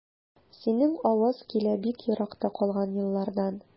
Синең аваз килә бик еракта калган еллардан.